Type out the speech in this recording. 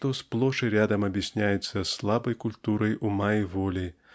что сплошь и рядом объясняется слабой культурой ума и воли